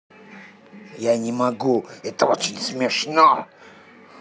я не могу это очень смешно